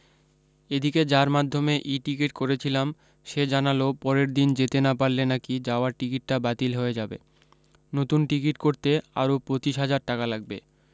এদিকে যার মাধ্যমে ইটিকিট করেছিলাম সে জানালো পরের দিন যেতে না পারলে নাকি যাওয়ার টিকিটটা বাতিল হয়ে যাবে নতুন টিকিট করতে আরো পঁচিশ হাজার টাকা লাগবে